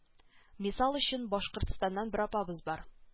Мисал өчен башкортстаннан бер апабыз бар